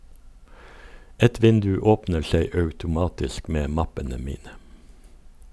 Et vindu åpner seg automatisk med mappene mine.